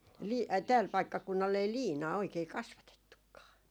- ai täällä paikkakunnalla ei liinaa oikein kasvatettukaan